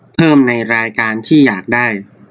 เพิ่มในรายการที่อยากได้